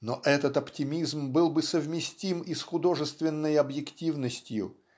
Но этот оптимизм был бы совместим и с художественной объективностью